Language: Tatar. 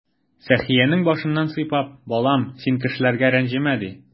Сәхиянең башыннан сыйпап: "Балам, син кешеләргә рәнҗемә",— ди.